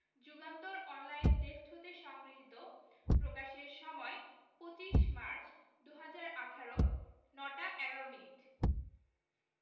Jugantor online desk হতে সংগৃহীত প্রকাশের সময় ২৫ মার্চ ২০১৮ ০৯ টা ১১ মিনিট